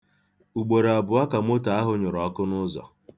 Ugboroabụọ ka moto ahụ nyụrụ ọkụ n'ụzọ.